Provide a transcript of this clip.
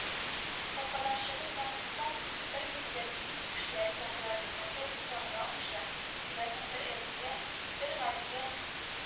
Капкадан чыгу белән туктап, бер мизгел нинди кешеләр икән болар, дигәндәй, таный алмыйча, күрәсең, бер әтигә, бер Галигә